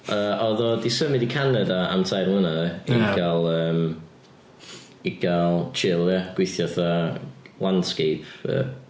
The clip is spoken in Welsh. Yy oedd o 'di symud i Canada am tair mlynadd ia i gael yy i gael chill ia, gweithio fatha landscaper.